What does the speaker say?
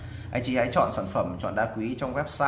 anh chị hãy chọn sản phẩm chọn đá quý trong website